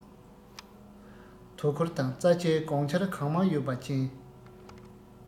དོ ཁུར དང རྩ ཆེན དགོངས ཆར གང མང ཡོད པ མཁྱེན